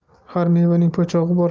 har mevaning po'chog'i bor